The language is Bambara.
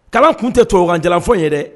Kalan tun tɛ touganjafɔ ye dɛ